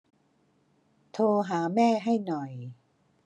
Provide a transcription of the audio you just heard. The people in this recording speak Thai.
โทรหาแม่ให้หน่อย